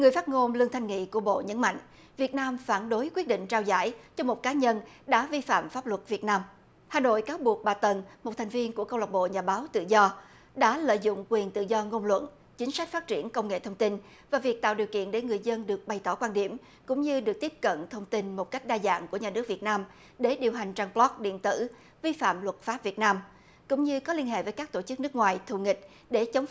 người phát ngôn lương thanh nghị của bộ nhấn mạnh việt nam phản đối quyết định trao giải cho một cá nhân đã vi phạm pháp luật việt nam hà nội cáo buộc bà tần một thành viên của câu lạc bộ nhà báo tự do đã lợi dụng quyền tự do ngôn luận chính sách phát triển công nghệ thông tin và việc tạo điều kiện để người dân được bày tỏ quan điểm cũng như được tiếp cận thông tin một cách đa dạng của nhà nước việt nam để điều hành trang loóc điện tử vi phạm luật pháp việt nam cũng như có liên hệ với các tổ chức nước ngoài thù nghịch để chống